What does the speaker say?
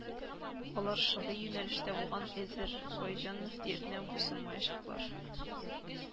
Алар шыгый юнәлештә булган Азәрбайҗан мөфтиятенә буйсынмаячаклар